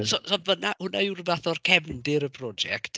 So so, fan'na hwnna yw ryw fath o'r cefndir y prosiect.